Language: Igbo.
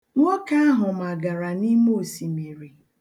Nwoke ahụ magara n'ime osimiri.